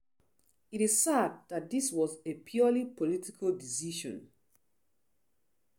It is sad that this was a purely political decision.